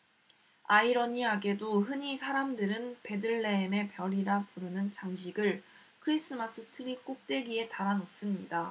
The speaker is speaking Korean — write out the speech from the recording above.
아이러니하게도 흔히 사람들은 베들레헴의 별이라 부르는 장식을 크리스마스트리 꼭대기에 달아 놓습니다